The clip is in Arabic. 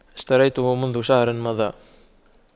اشتريته منذ شهر مضى